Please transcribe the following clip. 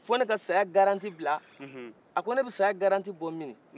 fo ne ka saya garantie bila a ko ne bɛ saya garantie bɔ minin